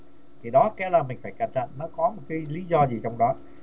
thì đó cái là mình phải cẩn thận nó có một cái lý do gì trong đó